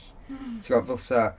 Timod, ddylsa...